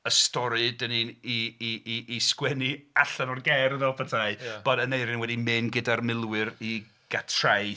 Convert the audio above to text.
..Y stori dan ni'n ei... i- i- i- sgwennu allan o'r gerdd fel petai, bod Aneirin wedi mynd gyda'r milwyr i Gatraeth...